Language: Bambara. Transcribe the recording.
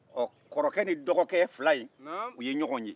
kɔrɔkɛ ni dɔgɔkɛ fila in u ye ɲɔgɔn ye